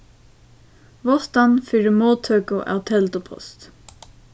váttan fyri móttøku av teldupost